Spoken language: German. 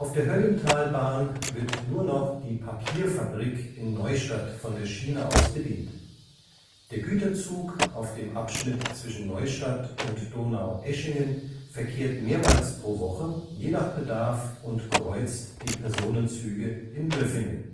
der Höllentalbahn wird nur noch die Papierfabrik in Neustadt von der Schiene aus bedient. Der Güterzug auf dem Abschnitt zwischen Neustadt und Donaueschingen verkehrt mehrmals pro Woche je nach Bedarf und kreuzt die Personenzüge in Löffingen